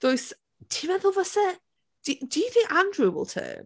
Does... ti'n meddwl fyse ...d- do you think Andrew will turn?